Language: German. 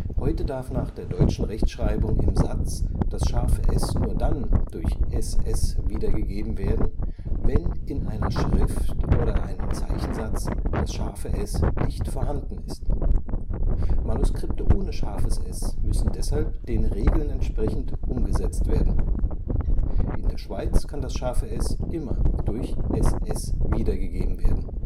Heute darf nach der deutschen Rechtschreibung im Satz das ß nur dann durch ss wiedergegeben werden, wenn in einer Schrift oder einem Zeichensatz das ß nicht vorhanden ist. Manuskripte ohne ß müssen deshalb den Regeln entsprechend umgesetzt werden. In der Schweiz kann das ß immer durch ss wiedergegeben werden